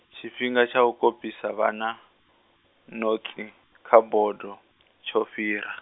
tshifhinga tsha u kopisa vhana, notsi, kha bodo, tsho fhira.